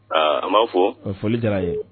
Aa an b'a fo, foli diyara an ye